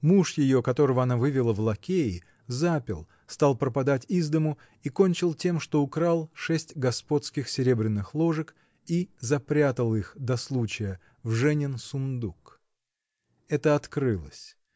Муж ее, которого она вывела в лакеи, запил, стал пропадать из дому и кончил тем, что украл шесть господских серебряных ложек и запрятал их -- до случая -- в женин сундук. Это открылось.